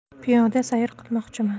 piyoda sayr qilmoqchiman